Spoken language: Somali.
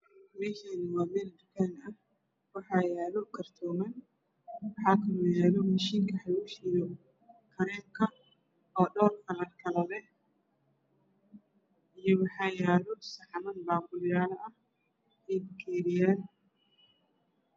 Meeshaani waa meel tukaan ah waxaa yaalo kartooman waxaa yaalo mashiinka wax lagu shiido oo dhowr kalar kala leh iyo waxa kaloo yaalo saxamna baaquliyo leh iyo bakeeriyaal